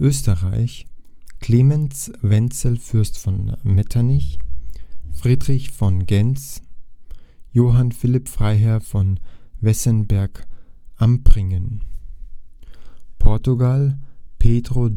Österreich Klemens Wenzel Fürst von Metternich – Friedrich von Gentz – Johann Philipp Freiherr von Wessenberg-Ampringen Portugal Pedro